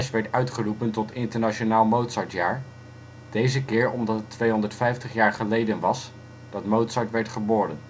werd uitgeroepen tot internationaal Mozartjaar, deze keer omdat het 250 jaar geleden was dat Mozart werd geboren